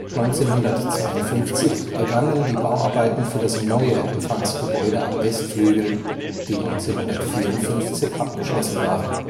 1952 begannen die Bauarbeiten für das neue Empfangsgebäude am Westflügel, die 1954 abgeschlossen waren